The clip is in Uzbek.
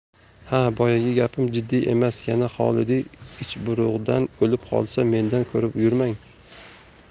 ha boyagi gapim jiddiy emas yana xolidiy ichburug'dan o'lib qolsa mendan ko'rib yurmang